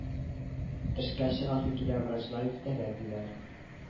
Эшкә чыгасы килә врачлар иртәрәк диләр